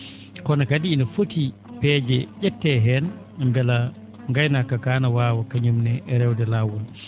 kono kadi ene foti peeje ?ettee heen mbela ngaynaaka kaa na waawa kañum ne rewde laawol